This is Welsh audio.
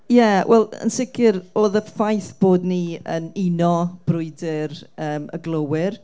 Ie wel, yn sicr, oedd y ffaith bod ni yn uno brwydr yym y glôwyr